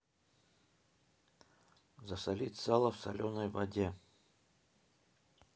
засолить сало в соленой воде